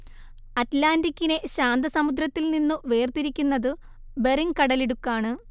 അറ്റ്‌ലാന്റിക്കിനെ ശാന്തസമുദ്രത്തിൽനിന്നു വേർതിരിക്കുന്നതു ബെറിങ് കടലിടുക്കാണ്